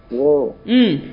N ko, un